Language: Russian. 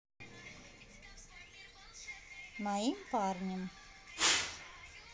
моим парнем